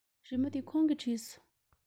རི མོ འདི ཁོང གིས བྲིས སོང